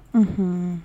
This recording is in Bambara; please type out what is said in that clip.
Unhɔn